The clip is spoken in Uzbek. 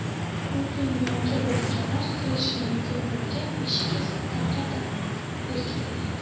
bu dunyoga o'zgalar kirishi mumkin bo'lgan eshik esa taqa taq berk edi